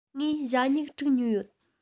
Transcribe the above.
ངས ཞྭ སྨྱུག དྲུག ཉོས ཡོད